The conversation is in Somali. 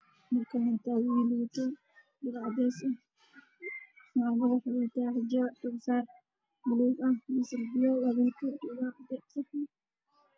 Meeshan waxaad tagtaagan dad farabadan oo ah carruur ninka ugu soo horeeyo wuxuu wataa khamiis cid ciidda ah